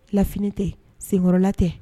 Lafini tɛ, senkɔrɔla tɛ